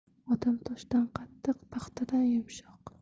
odam toshdan qattiq paxtadan yumshoq